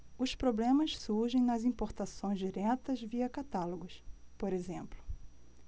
os problemas surgem nas importações diretas via catálogos por exemplo